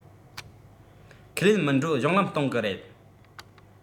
ཁས ལེན མི བགྲོད གཞུང ལམ སྟེང གི རེད